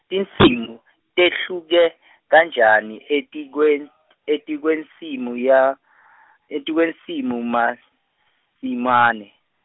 tinsimu, tehluke, kanjani etikwen- etikwensimu ya , etikwensimu masinyane?